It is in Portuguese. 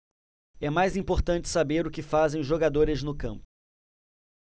é mais importante saber o que fazem os jogadores no campo